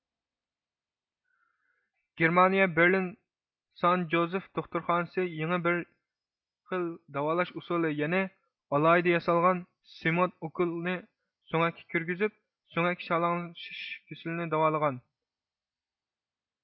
گېرمانىيە بېرلىن سان جوزىف دوختۇرخانىسى يېڭى بىر خىل داۋالاش ئۇسۇلى يەنى ئالاھىدە ياسالغان سېمونت ئوكۇل نى سۆڭەككە كىرگۈزۈپ سۆڭەك شالاڭلىشىش كېسىلىنى داۋالىغان